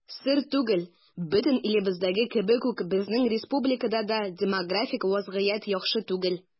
Сер түгел, бөтен илебездәге кебек үк безнең республикада да демографик вазгыять яхшы түгел.